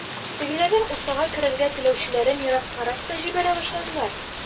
Тегеләрнең уртага керергә теләүчеләрен ераккарак та җибәрә башладылар.